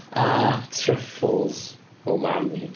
Are truffles umami?